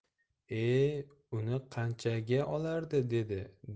e uni qanchaga olardi